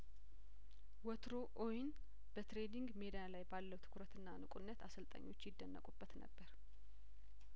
ወትሮ ኦዌን በትሬይኒንግ ሜዳ ላይ ባለው ትኩረትና ንቁነት አሰልጣኞች ይደነቁበት ነበር